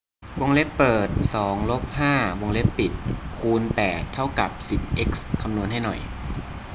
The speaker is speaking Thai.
วงเล็บเปิดสองลบห้าวงเล็บปิดคูณแปดเท่ากับสิบเอ็กซ์คำนวณให้หน่อย